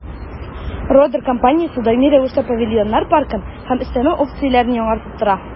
«родер» компаниясе даими рәвештә павильоннар паркын һәм өстәмә опцияләрен яңартып тора.